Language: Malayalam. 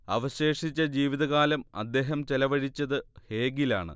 അവശേഷിച്ച ജീവിതകാലം അദ്ദേഹം ചെലവഴിച്ചത് ഹേഗിലാണ്